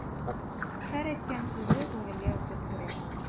Һәр әйткән сүзе күңелгә үтеп керә.